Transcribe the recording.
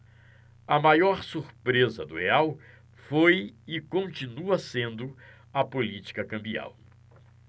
a maior surpresa do real foi e continua sendo a política cambial